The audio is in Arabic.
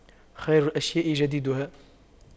خير الأشياء جديدها